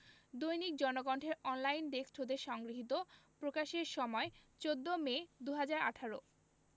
দৈনিক জনকণ্ঠের অনলাইন ডেস্কট হতে সংগৃহীত প্রকাশের সময় ১৪ মে ২০১৮